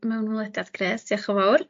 mewn welediad grêt dioch y' fowr.